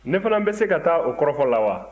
ne fana bɛ se ka taa o kɔrɔfɔ la wa